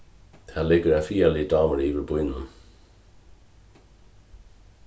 tað liggur ein friðarligur dámur yvir býnum